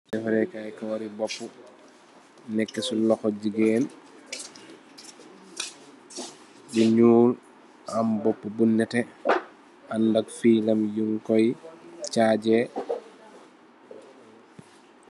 Deferr reh kaw kawarr ri bopú nekka ci loxo jigeen lu ñuul am bopú bu netteh ànda ak fiilam yin koy caajee.